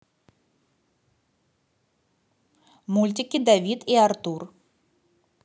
мультики давид и артур